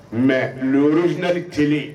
Mais zli teli